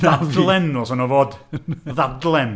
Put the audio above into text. Ddadlen ddylsen nhw fod , ddadlen!